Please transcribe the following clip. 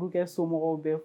Nu kɛ somɔgɔw bɛɛ